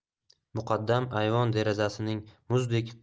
muqaddam ayvon derazasining muzdek